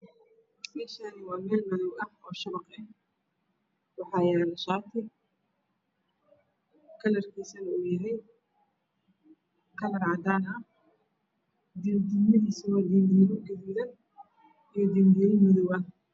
Meeshaani waa meel madow oo shabaq ah waxaa yaalo shaati kalarkiisa uu yahay kalar cadaan ah diirmo diirmadiisa waa diirmo gaduudan iyo diirdiirmo madow ah